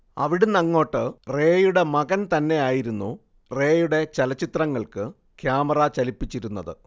അവിടുന്നങ്ങോട്ട് റേയുടെ മകൻ തന്നെയായിരുന്നു റേയുടെ ചലച്ചിത്രങ്ങൾക്ക് ക്യാമറ ചലിപ്പിച്ചിരുന്നത്